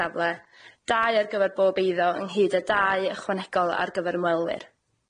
safle, dau ar gyfer bob eiddo ynghyd â dau ychwanegol ar gyfer ymwelwyr.